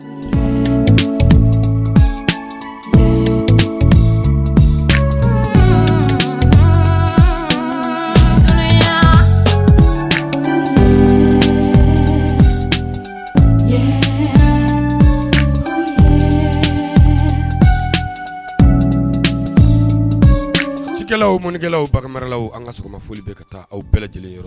Cikɛlaw mɔnkɛlaw o baganla an ka sogo sɔgɔma foli bɛ ka taa aw bɛɛ lajɛlen yɔrɔ